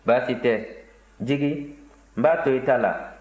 baasi tɛ jigi n b'a to i ta la